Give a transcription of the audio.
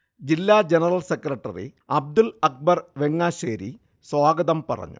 ജില്ലാ general secretary Abdul Akbar Vengassery സ്വാഗതം പറഞ്ഞു